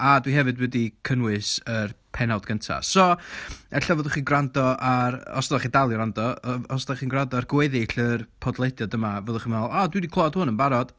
A dwi hefyd wedi cynnwys yr pennawd gynta. So ella fyddwch chi'n gwrando ar - os dach chi dal i wrando - yym, os dach chi'n gwrando ar gweddill yr podlediad yma, fyddwch chi'n meddwl, "o, dwi 'di clywed hwn yn barod".